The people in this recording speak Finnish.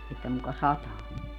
että muka sataa